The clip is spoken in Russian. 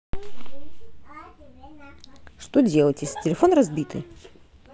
что делать если телефон разбитый